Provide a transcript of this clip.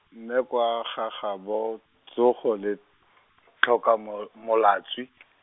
mme kwa, ga gaabo, tsogo le , tlhoka mo- molatswi .